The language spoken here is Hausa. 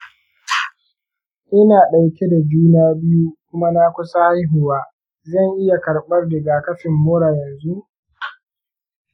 ina ɗauke da juna biyu kuma na kusa haihuwa; zan iya karɓar rigakafin mura yanzu?